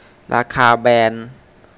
ราคาแบรนด์